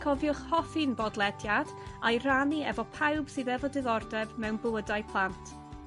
Cofiwch hoffi'n bodlediad, a'i rhannu efo pawb sydd efo diddordeb mewn bywydau plant.